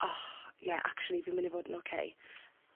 o, ie actually fi myn' i fod yn oce.